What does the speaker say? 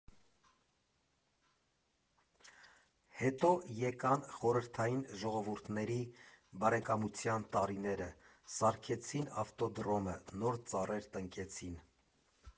Հետո եկան խորհրդային ժողովուրդների Բարեկամության տարիները, սարքեցին ավտոդրոմը, նոր ծառեր տնկեցին։